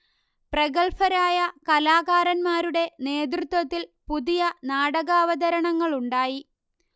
പ്രഗല്ഭരായ കലാകാരന്മാരുടെ നേതൃത്വത്തിൽ പുതിയ നാടകാവതരണങ്ങളുണ്ടായി